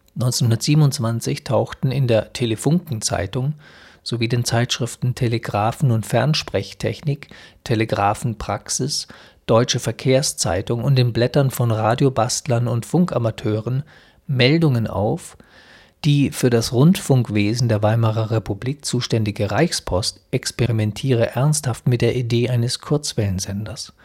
1927 tauchten in der Telefunken-Zeitung sowie den Zeitschriften Telegraphen - und Fernsprechtechnik, Telegraphenpraxis, Deutsche Verkehrszeitung und den Blättern von Radiobastlern und Funkamateuren Meldungen auf, die für das Rundfunkwesen der Weimarer Republik zuständige Reichspost experimentiere ernsthaft mit der Idee eines Kurzwellensenders